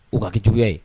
U kakicogo ye